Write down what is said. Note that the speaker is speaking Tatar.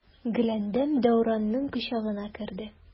Гөләндәм Дәүранның кочагына керде.